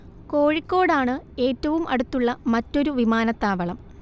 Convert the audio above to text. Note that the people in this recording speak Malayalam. കോഴിക്കോട് ആണ് അടുത്തുള്ള മറ്റൊരു വിമാനത്താവളം